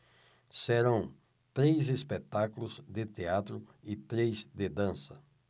serão três espetáculos de teatro e três de dança